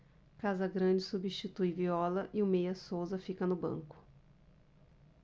casagrande substitui viola e o meia souza fica no banco